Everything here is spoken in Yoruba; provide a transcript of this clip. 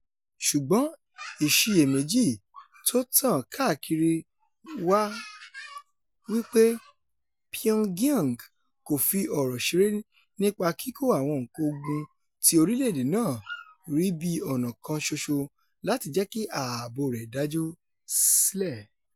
Ṣùgbọ́n ìsiyèméjì tótàn káàkiri wà wí pé Pyongyang kòfi ọ̀rọ̀ ṣeré nípa kíkọ àwọn nǹkan ogun tí orílẹ̀-èdè náà rí bí ọ̀nà kan ṣoṣo láti jẹ́kí ààbò rẹ̀ dájú sílẹ̀.